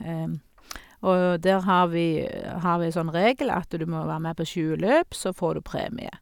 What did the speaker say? Og der har vi har vi sånn regel at du må være med på tjue løp, så får du premie.